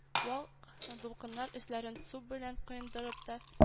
Вак дулкыннар өсләрен су белән коендырып та